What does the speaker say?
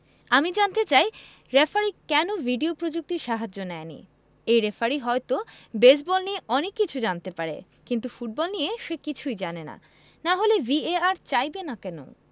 আমি জানতে চাই রেফারি কেন ভিডিও প্রযুক্তির সাহায্য নেয়নি এই রেফারি হয়তো বেসবল নিয়ে অনেক কিছু জানতে পারে কিন্তু ফুটবল নিয়ে সে কিছুই জানে না না হলে ভিএআর চাইবে না কেন